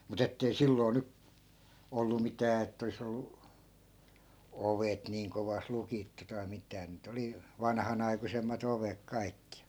mutta että ei silloin - ollut mitään että olisi ollut ovet niin kovasti lukittu tai mitään niitä oli vanhanaikuisemmat ovet kaikki